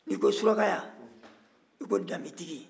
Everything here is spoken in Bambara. n'i ko surakaya i ko danbetigi